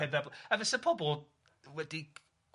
heb ddatbl- a fysa pobol wedi g- gw-